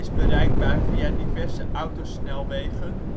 bereikbaar via diverse autosnelwegen